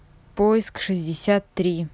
поиск шестьдесят три